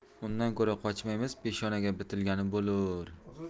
undan ko'ra qochmaymiz peshonaga bitilgani bo'lur